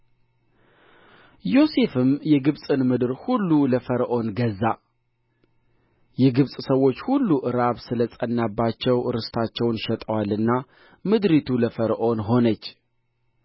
ዮሴፍም የግብፅን ምድር ሁሉ ለፈርዖን ገዛ የግብፅ ሰዎች ሁሉ ራብ ስለ ጸናባቸው ርስታቸውን ሸጠዋልና ምድሪቱ ለፈርዖን ሆነች